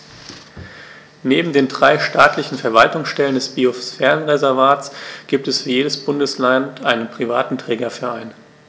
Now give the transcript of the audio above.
Neben den drei staatlichen Verwaltungsstellen des Biosphärenreservates gibt es für jedes Bundesland einen privaten Trägerverein.